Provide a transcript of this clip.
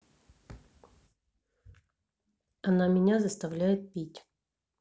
она меня заставляет пить